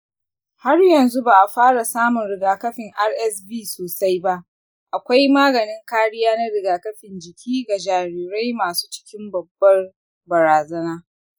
har yanzu ba a fara samun rigakafin rsv sosai ba. akwai maganin kariya na rigakafin jiki ga jarirai masu cikin babbar barazana.